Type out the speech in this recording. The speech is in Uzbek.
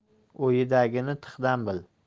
o'yidagini tihdan bil